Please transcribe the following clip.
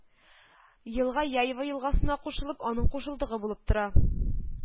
Елга Яйва елгасына кушылып, аның кушылдыгы булып тора